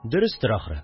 Дөрестер, ахры